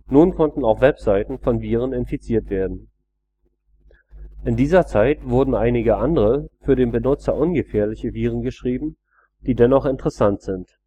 Nun konnten auch Webseiten von Viren infiziert werden. In dieser Zeit wurden einige andere, für den Benutzer ungefährliche Viren geschrieben, die dennoch interessant sind